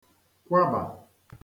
kwabà